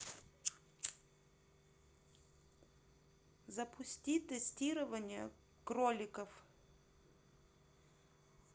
запусти тестирование кроликов